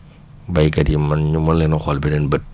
béykat yi mën ñu mën leen a xool beneen bët